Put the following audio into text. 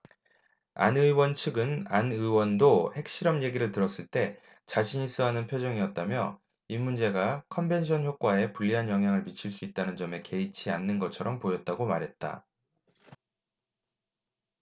안 의원 측은 안 의원도 핵실험 얘기를 들었을 때 자신있어 하는 표정이었다며 이 문제가 컨벤션효과에 불리한 영향을 미칠 수 있다는 점에 개의치 않는 것처럼 보였다고 말했다